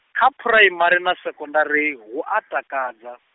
kha phuraimari na sekondari, hu a takadza.